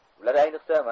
ular ayniqsa